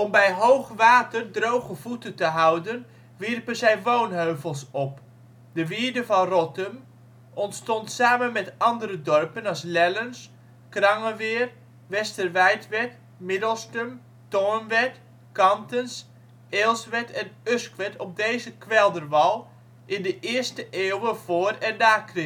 bij hoog water droge voeten te houden wierpen zij woonheuvels op. De wierde van Rottum ontstond samen met andere dorpen als Lellens, Krangeweer, Westerwijtwerd, Middelstum, Toornwerd, Kantens, Eelswerd en Usquert op deze kwelderwal in de eerste eeuwen voor en na Chr.